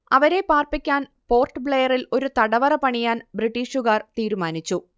അവരെ പാർപ്പിക്കാൻ പോർട്ട് ബ്ലെയറിൽ ഒരു തടവറ പണിയാൻ ബ്രിട്ടീഷുകാർ തീരുമാനിച്ചു